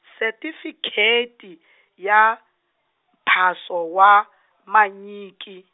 setifikheti, ya , mpaso wa, vanyiki.